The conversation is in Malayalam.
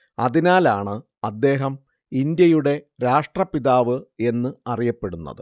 അതിനാലാണ് അദ്ദേഹം ഇന്ത്യയുടെ രാഷ്ട്രപിതാവ് എന്ന് അറിയപ്പെടുന്നത്